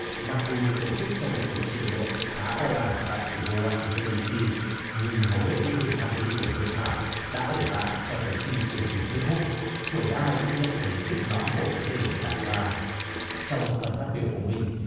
mặc dù được tổ chức trong một buổi chiều muộn khá oi ả tại thủ đô goa sinh tơn đi xi nhưng hầu hết những người tham dự buổi hội thảo đã ở lại cho tới khi chương trình kết thúc bởi ai cũng nhận thấy sức nóng của vấn đề được đặt ra trong phần phát biểu của mình